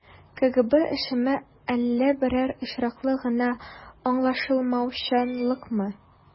КГБ эшеме, әллә берәр очраклы гына аңлашылмаучанлыкмы?